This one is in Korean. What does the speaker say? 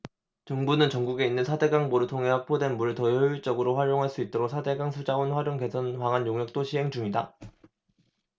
정부는 전국에 있는 사 대 강 보를 통해 확보된 물을 더 효율적으로 활용할 수 있도록 사 대 강 수자원 활용 개선 방안 용역도 시행 중이다